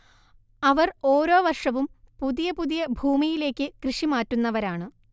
അവർ ഓരോ വർഷവും പുതിയ പുതിയ ഭൂമിയിലേക്ക് കൃഷി മാറ്റുന്നവരാണ്‌